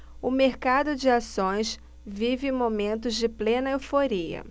o mercado de ações vive momentos de plena euforia